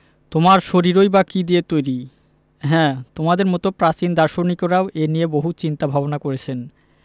তোমার শরীরই বা কী দিয়ে তৈরি হ্যাঁ তোমাদের মতো প্রাচীন দার্শনিকেরাও এ নিয়ে বহু চিন্তা ভাবনা করেছেন